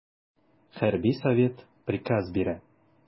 Хәрби совет приказ бирә.